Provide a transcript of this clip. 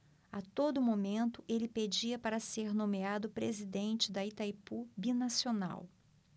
a todo momento ele pedia para ser nomeado presidente de itaipu binacional